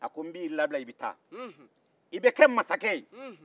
a ko n b'i labila i bɛ taa i bɛ kɛ mansakɛ ye